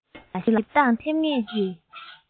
སྙོག འཛིང ལ ཞིབ འདང ཐེབས ངེས ཀྱི